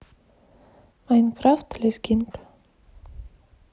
майнкрафт лизгинка